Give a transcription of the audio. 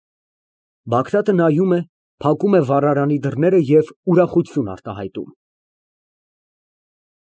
ԲԱԳՐԱՏԸ ֊ (Նայում է, փակում է վառարանի դռներն և ուրախություն արտահայտում )։